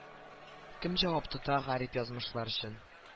Кем җавап тота гарип язмышлар өчен